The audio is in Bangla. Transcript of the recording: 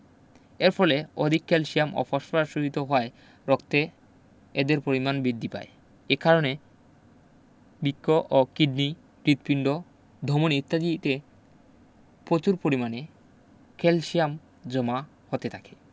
এর ফলে অধিক ক্যালসিয়াম ও ফসফরাস শোষিত হওয়ায় রক্তে এদের পরিমাণ বৃদ্ধি পায় একারণে বৃক্ক ও কিডনি হৃৎপিণ্ড ধমনি ইত্যাদিতে প্রচুর পরিমাণে ক্যালসিয়াম জমা হতে থাকে